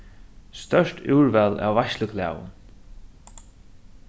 stórt úrval av veitsluklæðum